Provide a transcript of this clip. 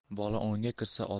bola o'nga kirsa